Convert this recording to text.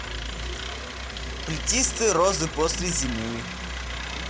плетистые розы после зимы